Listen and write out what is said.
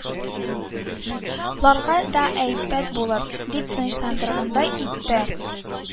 Ларга да әйбәт булыр, – дип тынычландыргандай итте